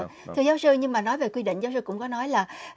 thưa giáo sư nhưng mà nói về quy định giáo sư cũng có nói là